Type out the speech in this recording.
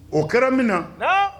O kɛra min na